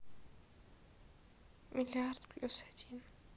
миллиард плюс один